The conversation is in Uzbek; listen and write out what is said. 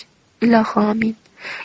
ilohi omi i in